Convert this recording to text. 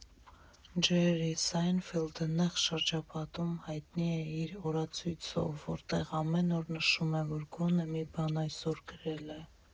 Ջերրի Սայնֆիլդը նեղ շրջապատում հայտնի է իր օրացույցով, որտեղ ամեն օր նշում է, որ գոնե մի բան այսօր գրել է։